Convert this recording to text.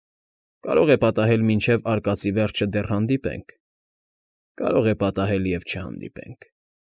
Կարող է պատահել մինչև արկածի վերջը դեռ հանդիպենք, կարող է պատահել և չհանդիպենք։